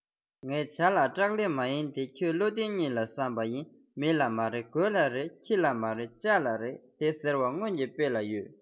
ངེད བྱ ལ སྐྲག ལེ མ ཡིན ཏེ ཁྱོད བློ ལྡན གཉིས ལ བསམས པ ཡིན མི ལ མ རེ གོས ལ རེ ཁྱི ལ མ རེ ལྕགས ལ རེ དེ ཟེར བ སྔོན གྱི དཔེ ལ ཡོད